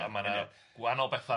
a mae yna wahanol bethau.